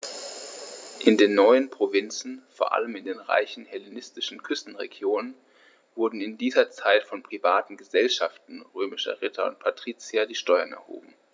In den neuen Provinzen, vor allem in den reichen hellenistischen Küstenregionen, wurden in dieser Zeit von privaten „Gesellschaften“ römischer Ritter und Patrizier die Steuern erhoben.